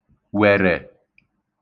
wèrè